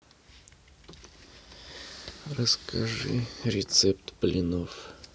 расскажи рецепт блинов